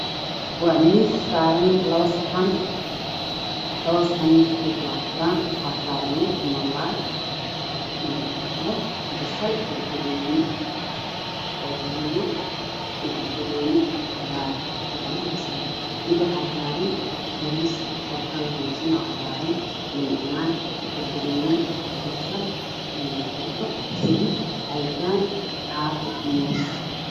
Waa miis saaran labo saxan labada saxan midabkooda waa cadaan waxaa saaran mid malaay iyo baradho basal barbaroonini oo gaduudan iyo barbarooni cagaaran baradho basal mid waxaa saaran bariis oo kalar marsan oo cagaaran liin dhanaan barbarooni basal iyo baradho sabiib cabitaan caafi moos